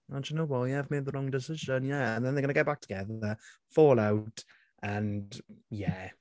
"Ah, do you know what? Yeah, I've made the wrong decision yeah." And then they're going to get back together, fall out, and yeah.